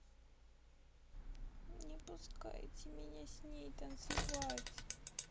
не пускайте меня с ней снова танцевать